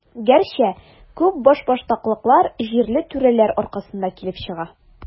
Гәрчә, күп башбаштаклыклар җирле түрәләр аркасында килеп чыга.